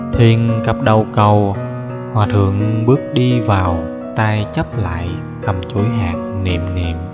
thuyền cập đầu cầu hoà thượng bước đi vào hai tay chắp lại cầm chuỗi hạt niệm niệm